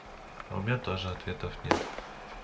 а у меня тоже ответов нет